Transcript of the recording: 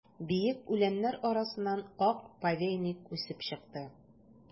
Биек үләннәр арасыннан ак повейник үсеп чыкты.